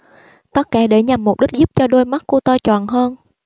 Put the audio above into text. tất cả để nhằm mục đích giúp cho đôi mắt cô to tròn hơn